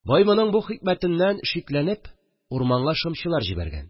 Бай моның бу хикмәтеннән шикләнеп урманга шымчылар җибәргән